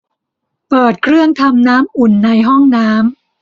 เปิดเครื่องทำน้ำอุ่นในห้องน้ำ